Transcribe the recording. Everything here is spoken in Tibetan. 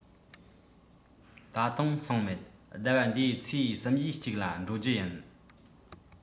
ད དུང སོང མེད ཟླ བ འདིའི ཚེས གསུམ བཞིའི གཅིག ལ འགྲོ རྒྱུུ ཡིན